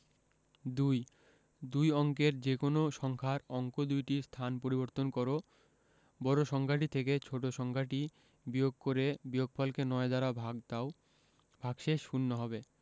২ দুই অঙ্কের যেকোনো সংখ্যার অঙ্ক দুইটির স্থান পরিবর্তন কর বড় সংখ্যাটি থেকে ছোট ছোট সংখ্যাটি বিয়োগ করে বিয়োগফলকে ৯ দ্বারা ভাগ দাও ভাগশেষ শূন্য হবে